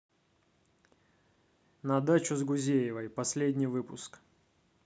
на дачу с гузеевой последний выпуск